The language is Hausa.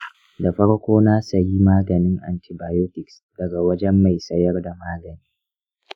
da farko na sayi maganin antibiotics daga wajen mai sayar da magani.